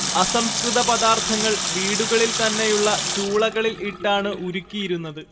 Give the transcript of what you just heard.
അസംസ്കൃത പദാർത്ഥങ്ങൾ വീടുകളിൽ തന്നെയുള്ള ചൂളകളിൽ ഇട്ടാണ് ഉരുക്കിയിരുന്നത്